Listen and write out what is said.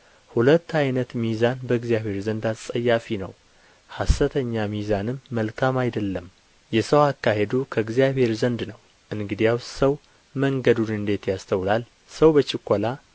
ሁለት ዓይነት ሚዛን በእግዚአብሔር ዘንድ አስጸያፊ ነው ሐሰተኛ ሚዛንም መልካም አይደለም የሰው አካሄዱ ከእግዚአብሔር ዘንድ ነው እንግዲያስ ሰው መንገዱን እንዴት ያስተውላል ሰው በችኰላ